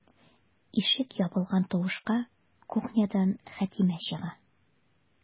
Ишек ябылган тавышка кухнядан Хәтимә чыга.